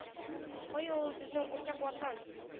Кая ул безнең уртак ватан